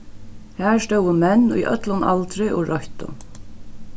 har stóðu menn í øllum aldri og royttu